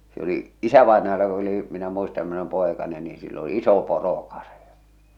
se oli isävainajalla kun oli minä muistan minä olin poikanen niin sillä on iso porokarja